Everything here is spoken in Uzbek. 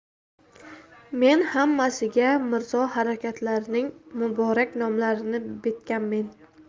men hammasiga mirzo hazratlarining muborak nomlarini bitganmen